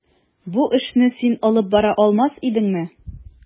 Бу эшне син алып бара алмас идеңме?